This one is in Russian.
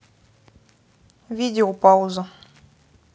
видео пауза